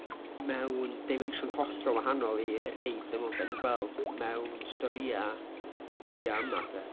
mewn dimensiwn hollol wahanol i y rhai d- fel dan ni'n gweld mewn storïau dyddiau yma de.